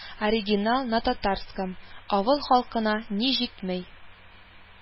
Оригинал на татарском: Авыл халкына ни җитми